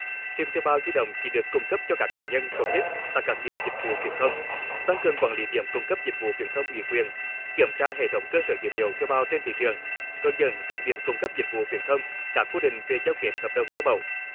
sim thuê bao di động chỉ được cung cấp cho các cá nhân tổ chức tại các điểm dịch vụ viễn thông tăng cường quản lý điểm cung cấp dịch vụ viễn thông ủy quyền kiểm tra hệ thống cơ sở dữ liệu thuê bao trên thị trường hướng dẫn các điểm cung cấp dịch vụ viễn thông các quy định về giao kết hợp đồng theo mẫu